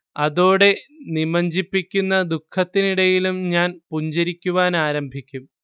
അതോടെ നിമഞ്ജിപ്പിക്കുന്ന ദുഃഖത്തിനിടയിലും ഞാൻ പുഞ്ചിരിക്കുവാനാരംഭിക്കും